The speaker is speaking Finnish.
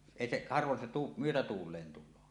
ei se harvoin se - myötätuuleen tulee